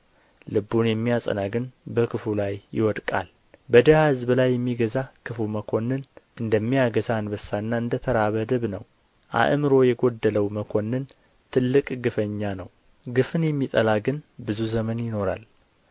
ልቡን የሚያጸና ግን በክፉ ላይ ይወድቃል በድሀ ሕዝብ ላይ የሚገዛ ክፉ መኰንን እንደሚያገሣ አንበሳን እንደ ተራበ ድብ ነው አእምሮ የጐደለው መኰንን ትልቅ ግፈኛ ነው ግፍን የሚጠላ ግን ብዙ ዘመን ይኖራል